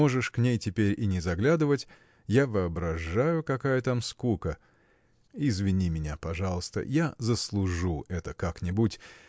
Можешь к ней теперь и не заглядывать: я воображаю, какая там скука!. извини меня, пожалуйста. я заслужу это как-нибудь.